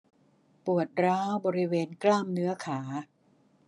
ปวดร้าวบริเวณกล้ามเนื้อขา